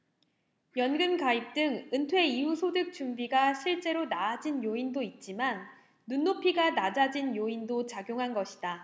연금 가입 등 은퇴 이후 소득 준비가 실제로 나아진 요인도 있지만 눈높이가 낮아진 요인도 작용한 것이다